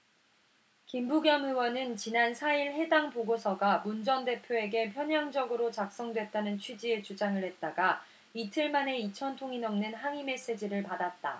김부겸 의원은 지난 사 일 해당 보고서가 문 전 대표에게 편향적으로 작성됐다는 취지의 주장을 했다가 이틀 만에 이천 통이 넘는 항의 메시지를 받았다